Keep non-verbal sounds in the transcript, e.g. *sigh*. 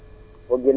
*hesitation* *hesitation*